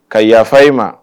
Ka yaafa i ma